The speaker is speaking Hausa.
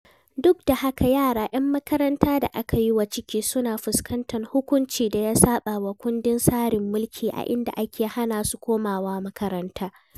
Duk da haka, yara 'yan makaranta da aka yi wa ciki suna fuskantar hukuncin da ya saɓawa kundin tsarin mulki a inda ake hana su komawa makaranta.